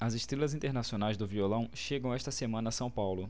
as estrelas internacionais do violão chegam esta semana a são paulo